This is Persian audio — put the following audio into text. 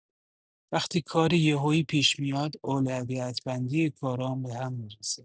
وقتی کاری یهویی پیش میاد، اولویت‌بندی کارام به هم می‌ریزه.